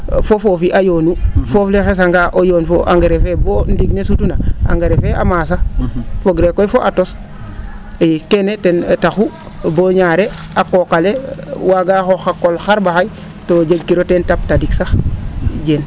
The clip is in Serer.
fo foofi yoonu foof le xesanga a yoon fo engrais fee bo ndiig ne sutuna engrais fee a maasaa fogre koy fo a tos i keene ten taxu boo ñaare a qooq ale waagaa xoox xa qol xar?axay to jegkiro teen tap tadik sax